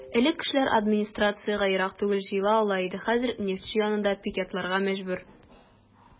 Элек кешеләр администрациягә ерак түгел җыела ала иде, хәзер "Нефтьче" янында пикетларга мәҗбүр.